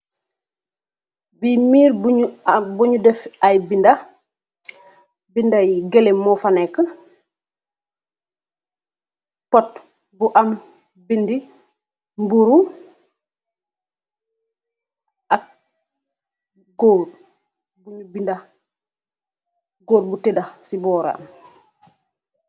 bi neek buug deef ay bidaax bidax yi galen bo faneka bott bu em bidex buruh ak goor bu tedax si boram